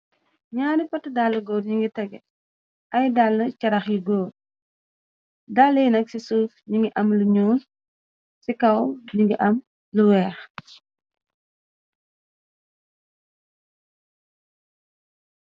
Nyaari pat ti dall góor ñi ngi tegu, ay dall carax yu góor dallu yi nak ci suuf ñi ngi am lu ñuul ci kaw ni ngi am lu weex.